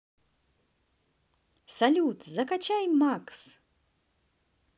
салют закачай макс